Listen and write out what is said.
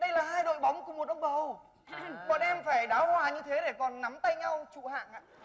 đây là hai đội bóng của một ông bầu bọn em phải đá hòa như thế để còn nắm tay nhau trụ hạng ạ